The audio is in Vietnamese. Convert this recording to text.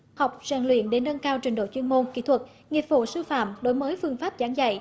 học rèn luyện để nâng cao trình độ chuyên môn kỹ thuật nghiệp vụ sư phạm đổi mới phương pháp giảng dạy